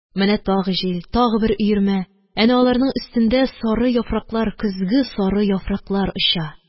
Менә тагы җил, тагы бер өермә, әнә аларның өстендә сары яфраклар, көзге сары яфраклар оча...